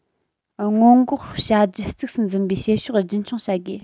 སྔོན འགོག བྱ རྒྱུ གཙིགས སུ འཛིན པའི བྱེད ཕྱོགས རྒྱུན འཁྱོངས བྱ དགོས